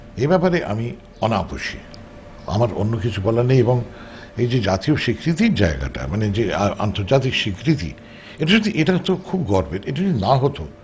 এ ব্যাপারে আমি অনাপোসী আমার অন্য কিছু বলার নেই এবং এই যে জাতীয় স্বীকৃতির জায়গাটা মানে যে আন্তর্জাতিক স্বীকৃতি এটার তো এটা তো খুব গর্বের এটা যদি না হতো